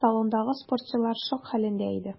Салондагы спортчылар шок хәлендә иде.